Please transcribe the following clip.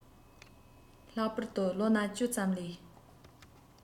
ལྷག པར དུ ལོ ན བཅུ ཙམ ལས